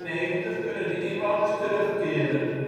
1995 kunnen de inwoners terugkeren